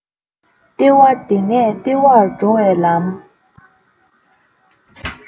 ལྟེ བ དེ ནས ལྟེ བར འགྲོ བའི ལམ